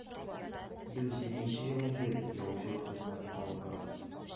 Без җиденче ел инде яучылык хезмәтен алып барабыз.